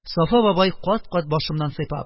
Сафа бабай, кат-кат башымнан сыйпап: